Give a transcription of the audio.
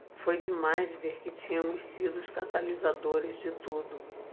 foi demais ver que tínhamos sido os catalisadores de tudo